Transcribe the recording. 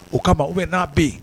O kama u bɛ n'a bɛ yen